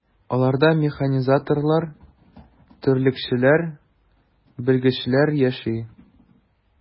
Аларда механизаторлар, терлекчеләр, белгечләр яши.